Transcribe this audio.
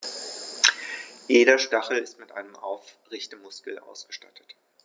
Jeder Stachel ist mit einem Aufrichtemuskel ausgestattet.